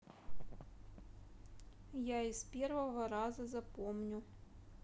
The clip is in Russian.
я из первого раза запомню